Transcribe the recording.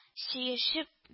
Сөешеп